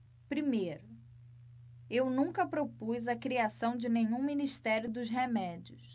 primeiro eu nunca propus a criação de nenhum ministério dos remédios